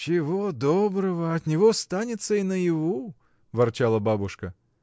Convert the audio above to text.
— Чего доброго: от него станется и наяву, — ворчала бабушка.